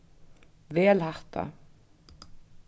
vel hatta